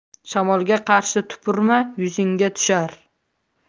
shamolga qarshi tupurma yuzingga tushar